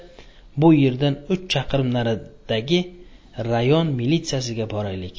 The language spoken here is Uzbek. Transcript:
bu yerdan uch chaqirim naridagi rayon militsiyasiga boraylik